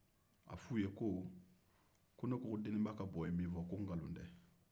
a f'u ye ko ne ko ko deninba ka bɔ ye min fɔ ko nkalo tɛ